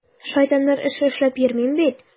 Шайтаннар эше эшләп йөрим бит!